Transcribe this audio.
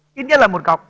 ít nhất là một cọc